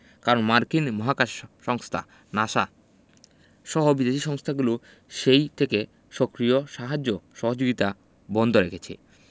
কারণ মার্কিন মহাকাশ সংস্থা নাসা সহ বিদেশি সংস্থাগুলো সেই থেকে সক্রিয় সাহায্য সহযোগিতা বন্ধ রেখেছে